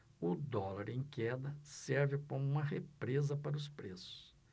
o dólar em queda serve como uma represa para os preços